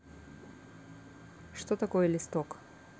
что такое листок